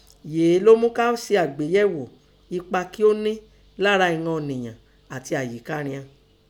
Yèé lọ́ mú ká se àgbéyẹ̀ghò ẹpa ki ọ́ nẹ́ lárá ìghan ọ̀nìyàn àti àyíká rian.